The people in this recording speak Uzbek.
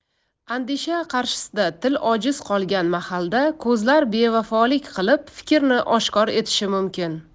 andisha qarshisida til ojiz qolgan mahalda ko'zlar bevafolik qilib fikrni oshkor etishi mumkin